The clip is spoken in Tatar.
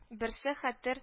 Берсе - Хәтер